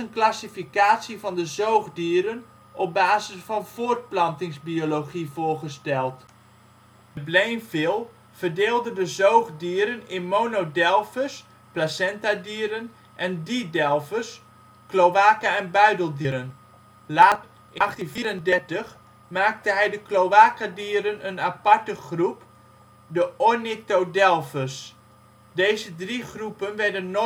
classificatie van de zoogdieren op basis van voortplantingsbiologie voorgesteld: De Blainville verdeelde de zoogdieren in " monodelphes " (placentadieren) en " didelphes " (cloaca - en buideldieren). Later, in 1834, maakte hij de cloacadieren een aparte groep, de " ornithodelphes ". Deze drie groepen werden